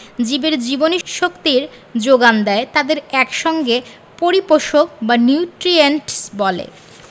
জীবের জীবনীশক্তির যোগান দেয় তাদের এক সঙ্গে পরিপোষক বা নিউট্রিয়েন্টস বলে